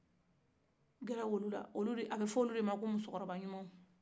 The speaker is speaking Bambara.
gɛrɛ olu la a bɛ fɔ olu de ma ko musokɔrɔba ɲuman